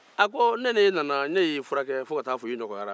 ne ye furakɛ fo ka e nɔgɔya